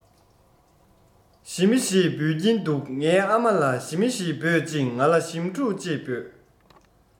ཞི མི ཞེས འབོད ཀྱིན འདུག ངའི ཨ མ ལ ཞི མ ཞེས འབོད ཅིང ང ལ ཞིམ ཕྲུག ཅེས འབོད